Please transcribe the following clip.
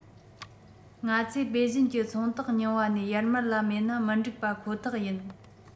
ང ཚོས པེ ཅིན གྱི ཚོང རྟགས རྙིང པ ནས ཡར མར ལ མེད ན མི འགྲིག པ ཁོ ཐག ཡིན